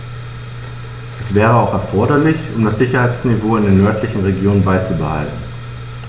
Das wäre auch erforderlich, um das Sicherheitsniveau in den nördlichen Regionen beizubehalten.